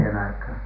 siihen aikaan